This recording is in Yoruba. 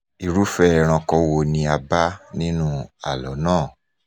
"Irúfẹ́ ẹranko wo ni a bá nínú àlọ́ náà?",